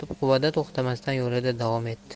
o'tib quvada to'xtamasdan yo'lida davom etdi